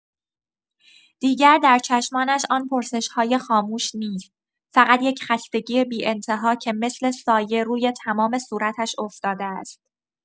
دیگر در چشمانش آن پرسش‌های خاموش نیست، فقط یک خستگی بی‌انتها که مثل سایه روی تمام صورتش افتاده است.